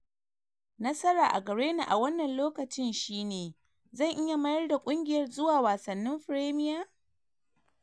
"Nasara a gare ni a wannan lokacin shi ne 'zan iya mayar da kungiyar zuwa Wasanin Fremiya?'